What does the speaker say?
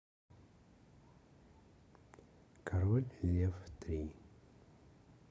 король лев три